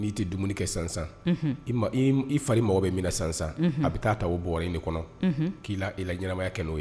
N'i tɛ dumuni kɛ sansan i fari mɔgɔw bɛ minɛ san san a bɛ taa ta o bɔlen de kɔnɔ k'i la i la ɲɛnaya n'o ye